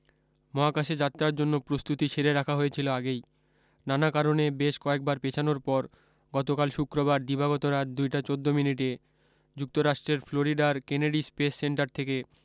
মহাকাশে যাত্রার জন্য প্রস্তুতি সেরে রাখা হয়েছিল আগেই নানা কারণে বেশ কয়েকবার পেছানোর পর গতকাল শুক্রবার দিবাগত রাত ২টা ১৪ মিনিটে যুক্তরাষ্ট্রের ফ্লোরিডার কেনেডি স্পেস সেন্টার থেকে